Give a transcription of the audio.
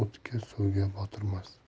o'tga suvga botirmas